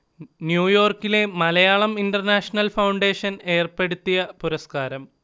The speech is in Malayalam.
ന്യൂയോർക്കിലെ മലയാളം ഇന്റർനാഷണൽ ഫൗണ്ടേഷൻ ഏർപ്പെടുത്തിയ പുരസ്കാരം